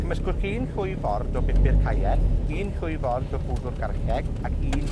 Cymysgwch un llwy ford o bupur cayenne, un llwy ford o bwdwr garlleg, ac un